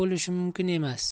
bo'lishi mumkin emas